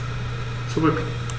Zurück.